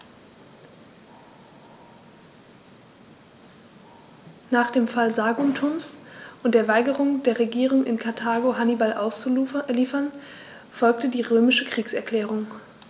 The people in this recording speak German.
Nach dem Fall Saguntums und der Weigerung der Regierung in Karthago, Hannibal auszuliefern, folgte die römische Kriegserklärung.